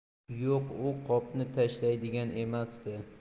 yo'q u qopni tashlaydigan emasdi